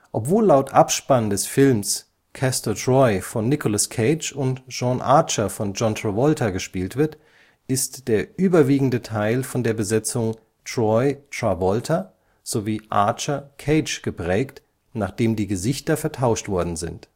Obwohl laut Abspann des Films Castor Troy von Nicolas Cage und Sean Archer von John Travolta gespielt wird, ist der überwiegende Teil von der Besetzung Troy-Travolta sowie Archer-Cage geprägt, nachdem die Gesichter vertauscht worden sind